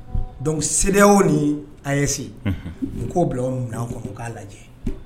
Dɔnku sew ni a yese n' bila minɛn kɔnɔ k'a lajɛ